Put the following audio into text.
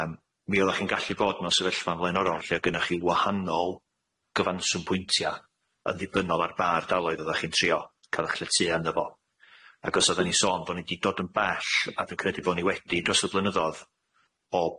yym mi o'ddach chi'n gallu bod mewn sefyllfa'n flaenorol lle o' gynnoch chi wahanol gyfanswm pwyntia yn ddibynnol ar ba ardaloedd o'ddach chi'n trio ca'l eich lletya ynddo fo ag os o'ddan ni sôn bo' ni di dod yn bell a dwi'n credu bo' ni wedi dros y blynyddodd o